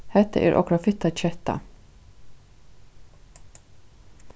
hetta er okra fitta ketta